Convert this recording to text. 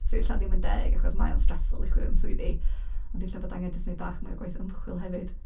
Sy ella ddim yn deg, achos mae o'n stressful i chwilio am swyddi, ond ella bod angen jyst wneud mwy o gwaith ymchwil hefyd.